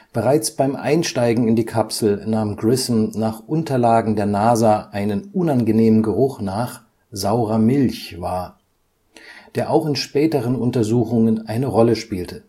Bereits beim Einsteigen in die Kapsel nahm Grissom nach Unterlagen der NASA einen unangenehmen Geruch nach „ saurer Milch “wahr, der auch in späteren Untersuchungen eine Rolle spielte